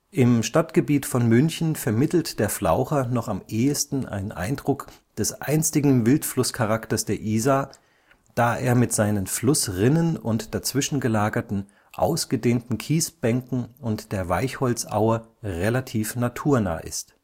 Im Stadtgebiet von München vermittelt der Flaucher noch am ehesten einen Eindruck des einstigen Wildflusscharakters der Isar, da er mit seinen Flussrinnen und dazwischengelagerten ausgedehnten Kiesbänken und der Weichholzaue relativ naturnah ist